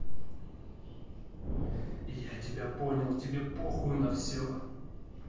я понял что тебе похуй на все